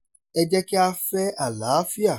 Ẹ jẹ́ kí a fẹ́ àlàáfíà.